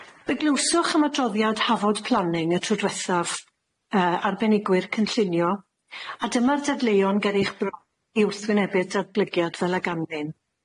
Fe glywswch am adroddiad Hafod Planning y tro dwethaf, yy arbennigwyr cynllunio, a dyma'r dadleuon ger eich bro- i wrthwynebu'r datblygiad fel y ganlyn.